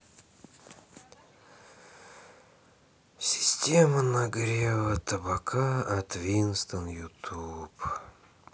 система нагрева табака от винстон ютуб